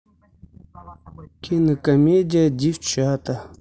кинокомедия девчата